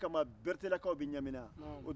o don kama beretelakaw bɛ ɲamina